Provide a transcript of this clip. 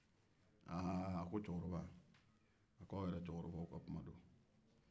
a ko aw yɛrɛ cɛkorɔbaw ka kuma don